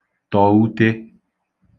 tọ̀ ute